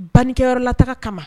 Bankɛyɔrɔla taga kama